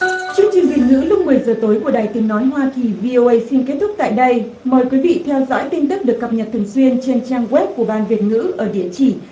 chương trình lúc mười giờ tối của đài tiếng nói hoa kỳ vi o ây xin kết thúc tại đây mời quý vị theo dõi tin tức được cập nhật thường xuyên trên trang ép của ban việt ngữ ở địa chỉ